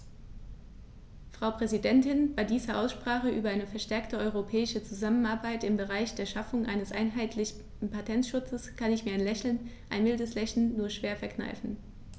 Frau Präsidentin, bei dieser Aussprache über eine verstärkte europäische Zusammenarbeit im Bereich der Schaffung eines einheitlichen Patentschutzes kann ich mir ein Lächeln - ein mildes Lächeln - nur schwer verkneifen.